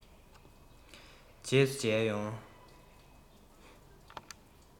རྗེས སུ མཇལ ཡོང